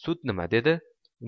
sud nima dedi